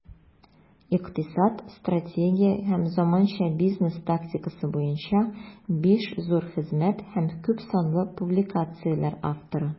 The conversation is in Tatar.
Икътисад, стратегия һәм заманча бизнес тактикасы буенча 5 зур хезмәт һәм күпсанлы публикацияләр авторы.